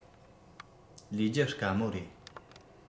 ལས རྒྱུ དཀའ མོ རེད